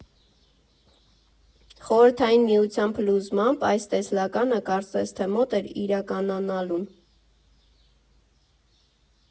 Խորհրդային Միության փլուզմամբ, այս տեսլականը կարծես թե մոտ էր իրականանալուն։